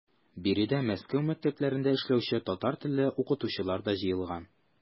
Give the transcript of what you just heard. Биредә Мәскәү мәктәпләрендә эшләүче татар телле укытучылар да җыелган.